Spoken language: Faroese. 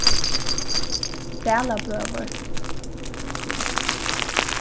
dalabøur